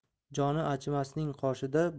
joni achimasning qoshida